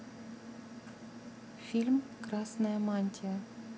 фильм красная мантия